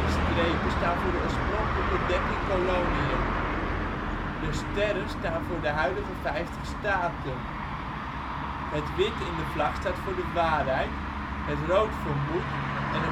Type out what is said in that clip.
strepen staan voor de oorspronkelijke 13 koloniën. De sterren staan voor de huidige 50 staten. Het wit in de vlag staat voor de waarheid, het rood voor moed en